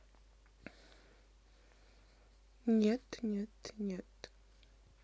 нет нет нет